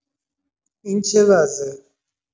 این چه وضعه؟